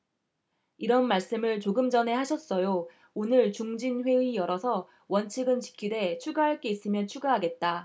이런 말씀을 조금 전에 하셨어요 오늘 중진회의 열어서 원칙은 지키되 추가할 게 있으면 추가하겠다